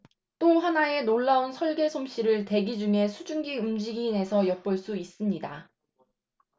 또 하나의 놀라운 설계 솜씨를 대기 중의 수증기의 움직임에서 엿볼 수 있습니다